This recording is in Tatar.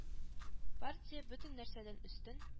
Партия - бөтен нәрсәдән өстен